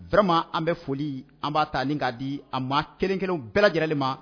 Vraiment an bɛ foli an b'a ta ka n'i ka di a maa kelenkelenw bɛɛ lajɛlen de ma